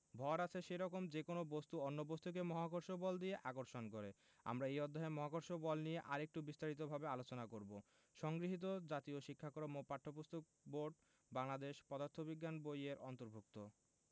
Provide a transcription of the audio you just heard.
ভর আছে সেরকম যেকোনো বস্তু অন্য বস্তুকে মহাকর্ষ বল দিয়ে আকর্ষণ করে আমরা এই অধ্যায়ে মহাকর্ষ বল নিয়ে আরেকটু বিস্তারিতভাবে আলোচনা করব সংগৃহীত জাতীয় শিক্ষাক্রম ও পাঠ্যপুস্তক বোর্ড বাংলাদেশ পদার্থ বিজ্ঞান বই এর অন্তর্ভুক্ত